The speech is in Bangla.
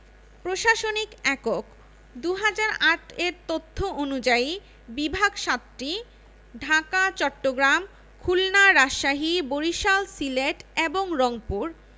প্রশাসনিক এককঃ ২০০৮ এর তথ্য অনুযায়ী বিভাগ ৭টি ঢাকা চট্টগ্রাম খুলনা রাজশাহী বরিশাল সিলেট এবং রংপুর